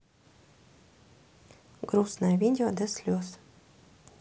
грустное видео до слез